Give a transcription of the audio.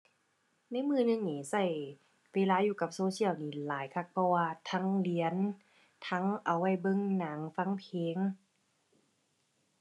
ในมื้อหนึ่งนี้ใช้เวลาอยู่กับโซเชียลนี่หลายคัก เพราะว่าทั้งเรียน ทั้งเอาไว้เบิ่งหนัง ฟังเพลง